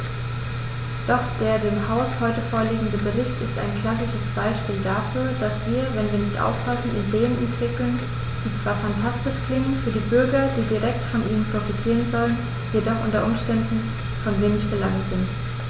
Doch der dem Haus heute vorliegende Bericht ist ein klassisches Beispiel dafür, dass wir, wenn wir nicht aufpassen, Ideen entwickeln, die zwar phantastisch klingen, für die Bürger, die direkt von ihnen profitieren sollen, jedoch u. U. von wenig Belang sind.